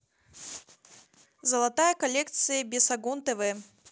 золотая коллекция бесогон тв